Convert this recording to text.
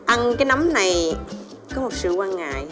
ăn cái nấm này có một sự quan ngại